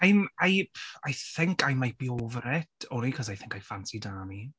I'm I I think I might be over it only because I think I fancy Dami.